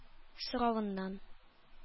Соравыннан